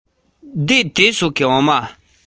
ལྷན དུ འཐབ པའི བརྒྱུད རིམ ཞིག ཀྱང རེད